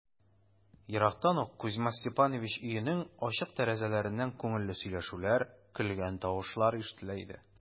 Ерактан ук Кузьма Степанович өенең ачык тәрәзәләреннән күңелле сөйләшүләр, көлгән тавышлар ишетелә иде.